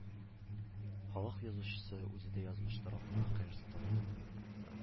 Халык язучысы, үзе дә язмыш тарафыннан кыерсытылып,